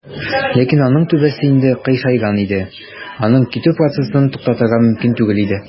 Ләкин аның түбәсе инде "кыйшайган" иде, аның китү процессын туктатырга мөмкин түгел иде.